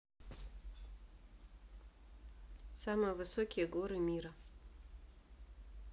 самые высокие горы мира